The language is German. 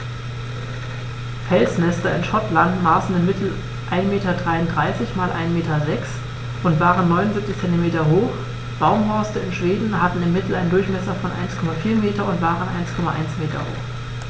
Felsnester in Schottland maßen im Mittel 1,33 m x 1,06 m und waren 0,79 m hoch, Baumhorste in Schweden hatten im Mittel einen Durchmesser von 1,4 m und waren 1,1 m hoch.